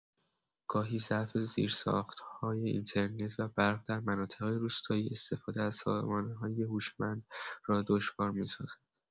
گاهی ضعف زیرساخت‌های اینترنت و برق در مناطق روستایی استفاده از سامانه‌های هوشمند را دشوار می‌سازد.